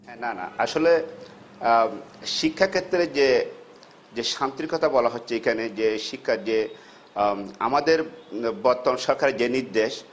না না আসলে শিক্ষা ক্ষেত্রে যে শান্তির কথা বলা হচ্ছে এখানে যে শিক্ষা যে আমাদের বর্তমান সরকারের যে নির্দেশ